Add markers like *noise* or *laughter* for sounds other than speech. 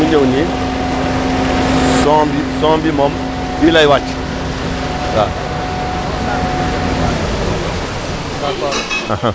léegi mu ñëw nii *noise* son bi moom fii lay wàcc *noise* waaw *noise*